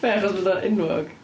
Be? Achos bod o'n enwog?